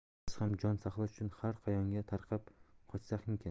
biz ham jon saqlash uchun har qayonga tarqab qochsakmikin